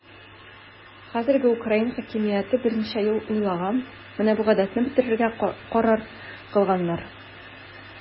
Хәзерге Украина хакимияте берничә ел уйлаган, менә бу гадәтне бетерергә карар кылганнар.